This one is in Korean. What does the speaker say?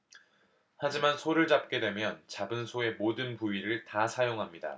하지만 소를 잡게 되면 잡은 소의 모든 부위를 다 사용합니다